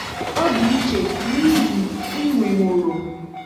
Ọ dị iche n'ihe i nweworo.